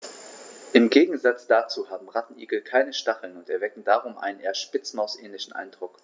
Im Gegensatz dazu haben Rattenigel keine Stacheln und erwecken darum einen eher Spitzmaus-ähnlichen Eindruck.